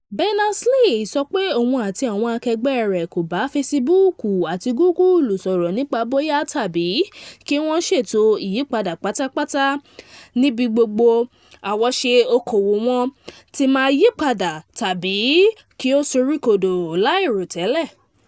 Berners-Lee sọ pé òun àti àwọn akẹgbẹ́ rẹ̀ kò bá “Facebook àti Google” sọ̀rọ̀ nípa bóyá tàbí ki wọ́n ṣètò ìyípadà pátápátá níbi gbogbo àwòṣe òkòwò wọn tí máa yípadà tàbí kí ó soríkodò láìròtẹ́lẹ̀.